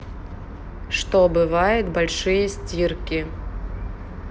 что бывает большие стирки